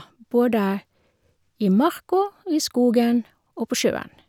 Både i marka, og i skogen og på sjøen.